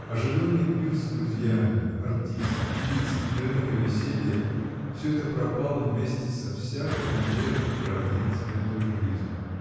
Оживленный пир с друзьями, артисты, певицы, хмельное веселье — всё это пропало вместе со всякой надеждой продлить эту жизнь.